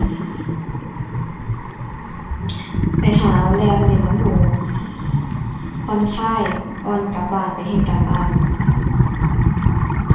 ไปหาแล่นเล่นนำหมู่ ผ่อนคลายก่อนกลับบ้านไปเฮ็ดการบ้าน